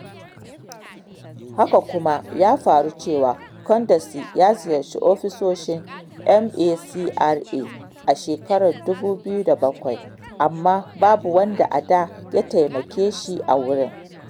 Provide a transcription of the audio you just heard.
Haka kuma, ya faru cewa, Kondesi ya ziyarci ofisoshin MACRA a 2007, amma babu wanda a da ya taimake shi a wurin